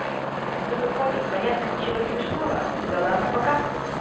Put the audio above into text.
мы выходим понятно ничего смешного все ладно пока